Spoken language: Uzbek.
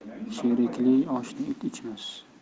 sherikli oshni it ichmas